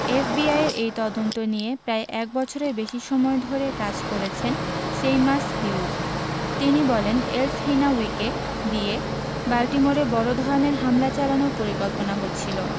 এফবিআইয়ের এই তদন্ত নিয়ে প্রায় এক বছরের বেশি সময় ধরে কাজ করেছেন সেইমাস হিউজ তিনি বলেন এলসহিনাউয়িকে দিয়ে বাল্টিমোরে বড় ধরনের হামলা চালানোর পরিকল্পনা হচ্ছিল